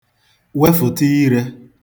wefụ̀ta irē